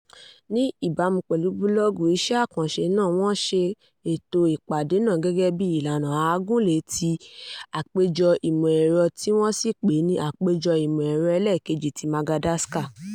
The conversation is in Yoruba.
Ní ìbámu pẹ̀lú búlọ́ọ̀gù iṣẹ́ àkànṣe náà wọn ṣe ètò ìpàdé náà gẹ́gẹ́ bíi ìlànà àágùnlé tí Àpéjọ Ìmọ̀ Ẹ̀rọ tí wọ́n sì pèé ní Àpéjọ Ìmọ̀ Ẹ̀rọ Elẹ́ẹ̀kejì tí Madagascar.